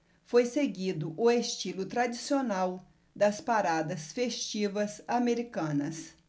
foi seguido o estilo tradicional das paradas festivas americanas